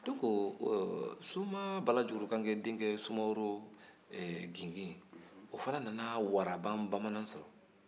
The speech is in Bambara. o la soma bala jugurukange denkɛ sumaworo gigin o fana nana waraban bamanan sɔrɔ